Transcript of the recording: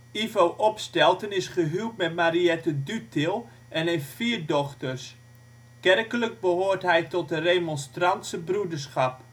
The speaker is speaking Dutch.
Ivo Opstelten is gehuwd met Mariette Dutilh en heeft vier dochters. Kerkelijk behoort hij tot de Remonstrantse Broederschap